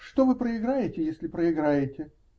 Что вы проиграете, если проиграете?